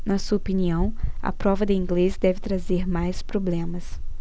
na sua opinião a prova de inglês deve trazer mais problemas